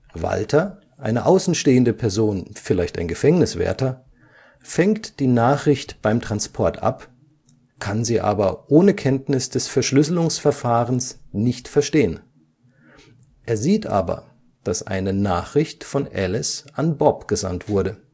Walter, eine außenstehende Person (vielleicht ein Gefängniswärter), fängt die Nachricht beim Transport ab, kann sie aber ohne Kenntnis des Verschlüsselungsverfahrens nicht verstehen. Er sieht aber, dass eine Nachricht von Alice an Bob gesandt wurde